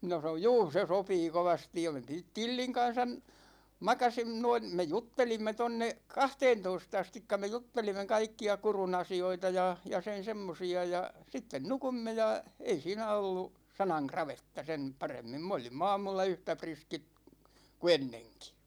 minä sanoin juu se sopii kovasti ja me - Tillin kanssa makasimme noin me juttelimme tuonne kahteentoista asti me juttelimme kaikkia Kurun asioita ja ja sen semmoisia ja sitten nukuimme ja ei siinä ollut sanan kravetta sen paremmin me olimme aamulla yhtä riskit kuin ennenkin